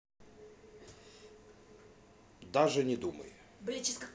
даже не думай